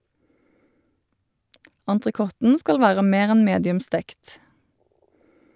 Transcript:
Entrecoten skal være mer enn medium stekt.